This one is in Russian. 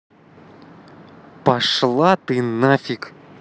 пошла ты нафиг